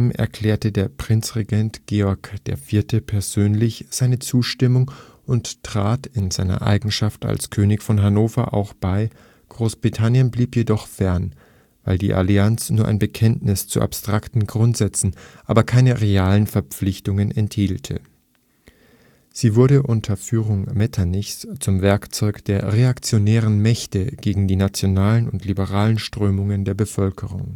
erklärte der Prinzregent, Georg IV., persönlich seine Zustimmung und trat in seiner Eigenschaft als König von Hannover auch bei, Großbritannien blieb jedoch fern, weil die Allianz nur ein Bekenntnis zu abstrakten Grundsätzen, aber keine realen Verpflichtungen enthielte. Sie wurde unter Führung Metternichs zum Werkzeug der reaktionären Mächte gegen die nationalen und liberalen Strömungen der Bevölkerung